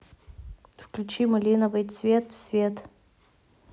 включи малиновый цвет свет